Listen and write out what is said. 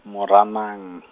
Moranang.